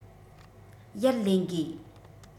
ཡར ལེན དགོས